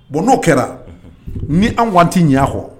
Bon no kɛra ni anw ko an ti ɲɛ a kɔ